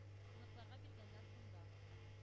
Оныкларга биргәннән соң да